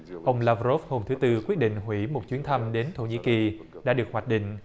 ông la vơ rốp hôm thứ tư quyết định hủy một chuyến thăm đến thổ nhĩ kỳ đã được hoạch định